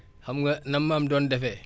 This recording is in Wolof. xam nga na mam doon defee